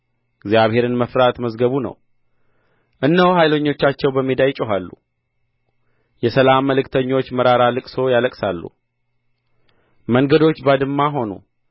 እግዚአብሔርን መፍራት መዝገቡ ነው እነሆ ኃይለኞቻቸው በሜዳ ይጮኻሉ የሰላም መልእክተኞች መራራ ልቅሶ ያለቅሳሉ መንገዶች ባድማ ሆኑ